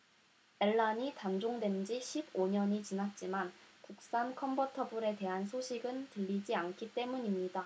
엘란이 단종된 지 십 오 년이 지났지만 국산 컨버터블에 대한 소식은 들리지 않기 때문입니다